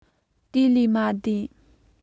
དེ ལས མ འདས